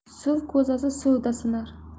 suv ko'zasi suvda sinar